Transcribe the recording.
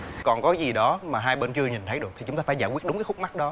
còn gói gì đó mà hai bên chưa nhìn thấy được thì chúng ta phải giải quyết đúng cái khúc mắc đó